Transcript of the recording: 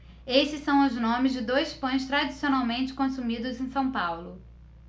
esses são os nomes de dois pães tradicionalmente consumidos em são paulo